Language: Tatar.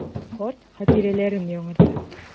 Карт хатирәләрен яңарта.